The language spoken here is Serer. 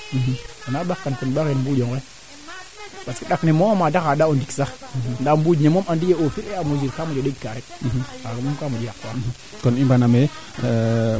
wiin jegu xam xam a ndee'u kaa de leyee koy manda gee kaa miñ fo roog ndaa jambaam de maak weene kaa miñ fo roog a ndeetlu wa mayu ndaa koy kaa ret baa bugo toucher a in in jeunesse be ndiiki